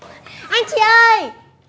anh chị ơi